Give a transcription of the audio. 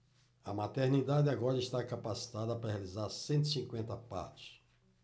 a maternidade agora está capacitada para realizar cento e cinquenta partos